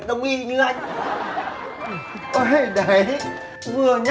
đông y như anh uây đấy vừa nhắc